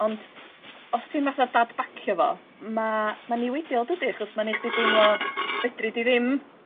Ond os ti'n matha dadbacio fo ma' ma'n niweidiol dydi achos ma' neu' chdi deimlo fedri di ddim